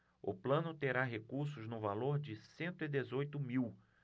o plano terá recursos no valor de cento e dezoito mil